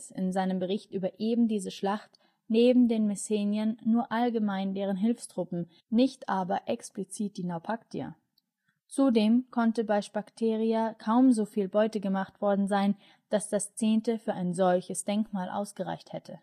in seinem Bericht über eben diese Schlacht neben den Messeniern nur allgemein deren Hilfstruppen, nicht aber explizit die Naupaktier. Zudem konnte bei Sphakteria kaum soviel Beute gemacht worden sein, dass das Zehnte für ein solches Denkmal ausgereicht hätte